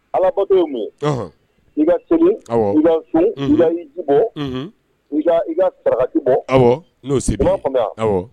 Ala mɔden min i ka i fili i bɔ i ka bɔ aw sidɔn faga